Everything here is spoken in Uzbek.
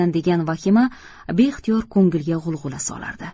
degan vahima beixtiyor ko'ngilga g'ulg'ula solardi